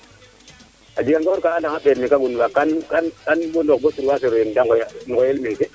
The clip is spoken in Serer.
a jega ngoor ka ando naye kan moof bo 3 heure o yeng de ngoyel meke